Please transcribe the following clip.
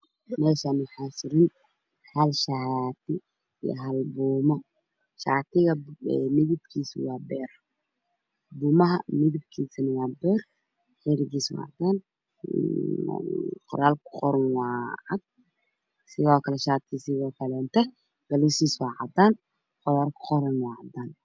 Meeshaan waxaa suran hal shaati iyo buume. Shaatigu waa beer, buumuhu waa beer xarigiisu waa cadaan, qoraalka kuqorana waa cadaan shaatigana qoraalka kuqorana waa cadaan.